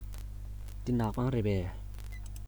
འདི ནག པང རེད པས